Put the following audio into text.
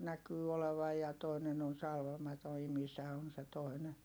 näkyy olevan ja toinen on salvaamaton imisä on se toinen